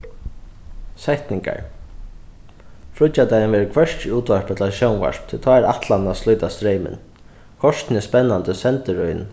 setningar fríggjadagin verður hvørki útvarp ella sjónvarp tí tá er ætlanin at slíta streymin kortini er spennandi sendirøðin